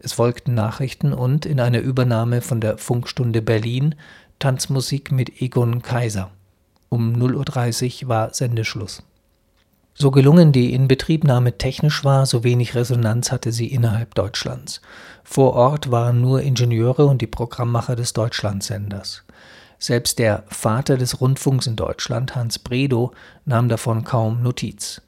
folgten Nachrichten und, in einer Übernahme von der Funk-Stunde Berlin, Tanzmusik mit Egon Kaiser. Um 0.30 Uhr war Sendeschluss. So gelungen die Inbetriebnahme technisch war, so wenig Resonanz hatte sie innerhalb Deutschlands. Vor Ort waren nur Ingenieure und die Programmmacher des Deutschlandsenders. Selbst der „ Vater des Rundfunks “in Deutschland Hans Bredow nahm davon kaum Notiz